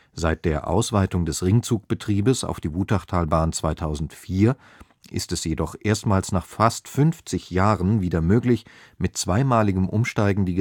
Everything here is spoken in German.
Seit der Ausweitung des Ringzug-Betriebes auf die Wutachtalbahn 2004 ist es jedoch erstmals nach fast 50 Jahren wieder möglich, mit zweimaligem Umsteigen die